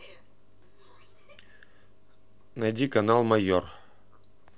найди канал майор